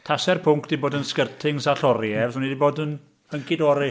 Tasai'r pwnc 'di bod yn skirtings a lloriau, fyswn i 'di bod yn hunky-dory.